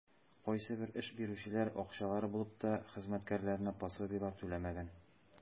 Кайсыбер эш бирүчеләр, акчалары булып та, хезмәткәрләренә пособиеләр түләмәгән.